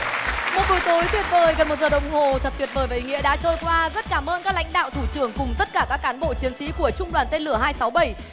một buổi tối tuyệt vời gần một giờ đồng hồ thật tuyệt vời và ý nghĩa đã trôi qua rất cảm ơn các lãnh đạo thủ trưởng cùng tất cả các cán bộ chiến sĩ của trung đoàn tên lửa hai sáu bảy